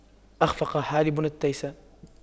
أَخْفَقَ حالب التيس